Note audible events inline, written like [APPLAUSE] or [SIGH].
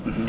[HESITATION] [HESITATION]